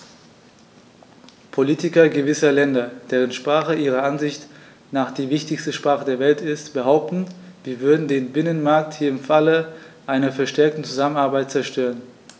Politiker gewisser Länder, deren Sprache ihrer Ansicht nach die wichtigste Sprache der Welt ist, behaupten, wir würden den Binnenmarkt hier im Falle einer verstärkten Zusammenarbeit zerstören.